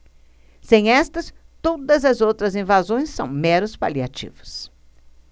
sem estas todas as outras invasões são meros paliativos